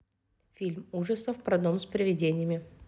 фильм ужасов про дом с привидениями